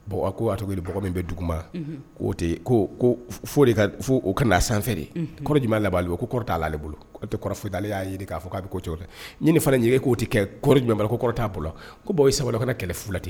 Bon ko min bɛ duguba k'o ko de ka fo o kana na sanfɛfɛ' labanale bolo t'ale bolo tɛale y'a k'a fɔ k a bɛ ko ɲini fana k'o tɛ kɛ ko kɔrɔ t'a bolo ko' sabali kana kɛlɛ filati